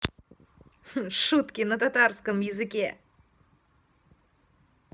шутки на татарском языке